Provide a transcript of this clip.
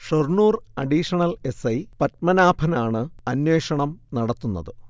Shoranur additional S. I. പത്മനാഭനാണ് അന്വേഷണം നടത്തുന്നത്